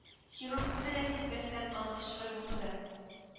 Хирург үзе дә сизмәстән аны кычкырып укыды: